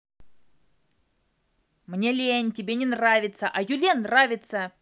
мне лень тебе не нравится а юле нравится